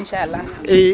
insala